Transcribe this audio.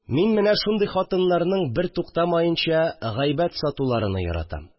Мин менә шундый хатыннарның бертуктамаенча гайбәт сатуларыны яратам